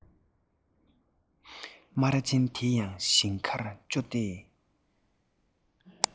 སྨ ར ཅན དེ ཡང ཞིང ཁར ཙོག སྟེ